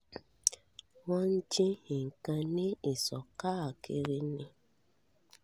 Wọ́n ń jí nǹkan ní isọ̀ káàkiri ni.”